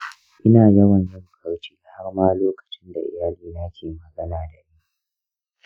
ina yawan yin barci har ma lokacin da iyalina ke magana da ni.